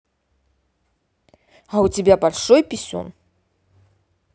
а у тебя большой писюн